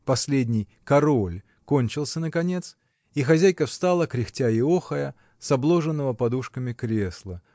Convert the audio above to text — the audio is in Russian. Последний "король" кончился наконец, и хозяйка встала, кряхтя и охая, с обложенного подушками кресла